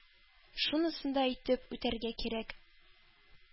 Шунысын да әйтеп үтәргә кирәк: